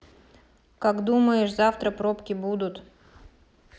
как думаешь завтра пробки будут